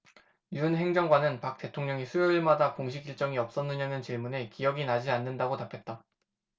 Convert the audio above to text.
윤 행정관은 박 대통령이 수요일마다 공식일정이 없었느냐는 질문에 기억이 나지 않는다고 답했다